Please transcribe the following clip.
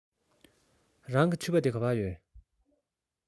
རང གི ཕྱུ པ དེ ག པར ཡོད